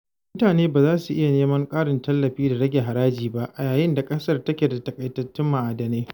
Mutane ba za su iya neman ƙarin tallafi da rage haraji ba, a yayin da ƙasar take da taƙaitattun ma'adanai.